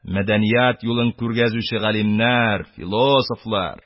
Мәдәният юлын күргәзүче галимнәр, философлар!